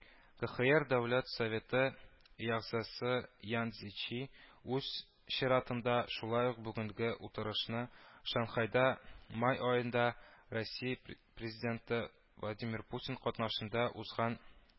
КХР Дәүләт Советы әгъзасы Ян Цзечи, үз чиратында, шулай ук бүгенге утырышны Шанхайда май аенда Россия Президенты Владимир Путин катнашында узган